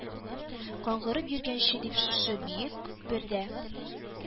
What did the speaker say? Каңгырып йөргәнче дип шушы биек күпердә